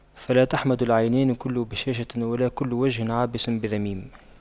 فما تحمد العينان كل بشاشة ولا كل وجه عابس بذميم